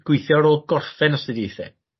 gwithio ar ôl gorffen astudiaethe.